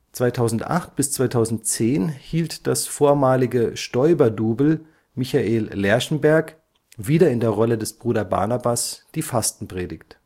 2008 bis 2010 hielt das vormalige Stoiber-Double Michael Lerchenberg − wieder in der Rolle des Bruder Barnabas − die Fastenpredigt